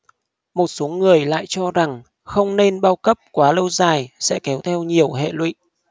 một số người lại cho rằng không nên bao cấp quá lâu dài sẽ kéo theo nhiều hệ lụy